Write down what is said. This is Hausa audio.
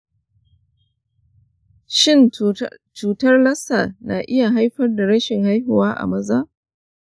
shin cutar lassa na iya haifar da rashin haihuwa a maza?